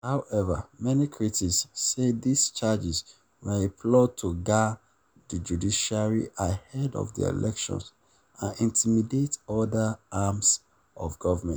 However, many critics say these charges were a ploy to gag the judiciary ahead of the elections and intimidate other arms of government.